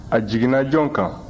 a jiginna jɔn kan